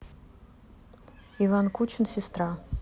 иван кучин сестра